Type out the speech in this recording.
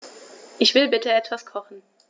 Ich will bitte etwas kochen.